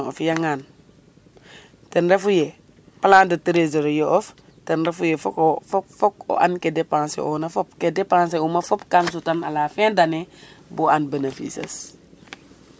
o fiya ngan ten refu ye plan de trésorier of ten refu ye foko fok o an ke dépenser ona fop ke dépenser uma fop kam sutan à la fin d année bo an benefice es